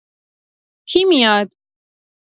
کی میاد؟